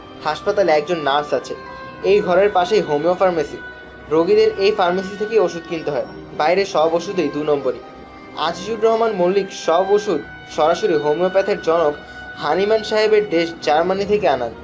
হাসপাতালে একজন নার্স আছে এই ঘরের পাশেই হােমিও ফার্মেসি। রােগীদের এই ফার্মেসি থেকেই ওষুধ কিনতে হয় বাইরে সব ওষুধই দু নম্বরি আজিজুর রহমান মল্লিক সব ওষুধ সরাসরি হােমিওপ্যাথের জনক হানিম্যান সাহেবের দেশ জার্মানি থেকে আনান